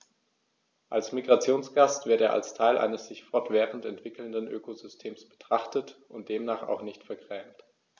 Als Migrationsgast wird er als Teil eines sich fortwährend entwickelnden Ökosystems betrachtet und demnach auch nicht vergrämt.